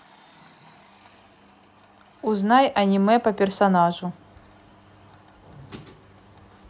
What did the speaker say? узнай аниме по персонажу